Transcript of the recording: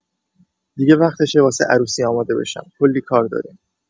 دیگه وقتشه واسه عروسی آماده بشم، کلی کار داریم.